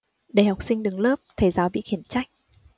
để học sinh đứng lớp thầy giáo bị khiển trách